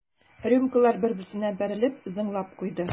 Рюмкалар бер-берсенә бәрелеп зыңлап куйды.